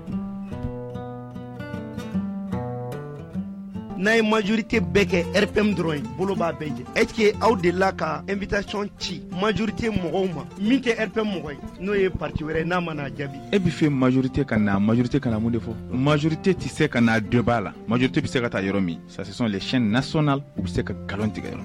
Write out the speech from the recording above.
N'a ye majri tɛ bɛɛ kɛ p dɔrɔn bolo bɛɛ e aw de la ka bɛ taaɔn ci majri tɛ mɔgɔw ma min tɛ mɔgɔ n'o yeti wɛrɛ n'a manaa jaabi e bɛ fɛ mari ka majri te ka na mun de fɔ majori te tɛ se ka' dɔnba la maj te bɛ se ka taa yɔrɔ min sisansi leyɛn na sɔn u bɛ se ka nkalon tigɛ yɔrɔ